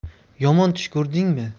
yomon tush ko'rdingmi